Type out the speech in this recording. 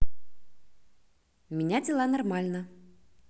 меня дела нормально